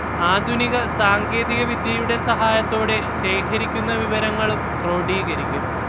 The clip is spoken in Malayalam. ആധുനിക സാങ്കേതികവിദ്യയുടെ സഹായത്തോടെ ശേഖരിക്കുന്ന വിവരങ്ങളും ക്രോഡീകരിക്കും